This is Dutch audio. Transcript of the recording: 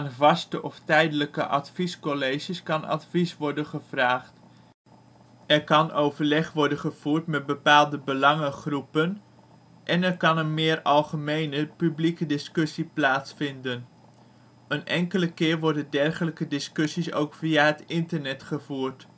vaste of tijdelijke adviescolleges kan advies worden gevraagd (zij kunnen ook ongevraagd advies uitbrengen). Er kan overleg worden gevoerd met bepaalde belangengroepen (waarvoor soms vaste overlegorganen bestaan) en er kan een meer algemene publieke discussie plaatsvinden. Een enkele keer worden dergelijke discussies ook via het internet gevoerd